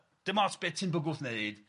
dim ots be' ti'n bwgwth neud...